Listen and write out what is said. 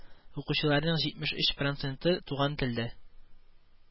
Укучыларның җитмеш өч проценты туган телдә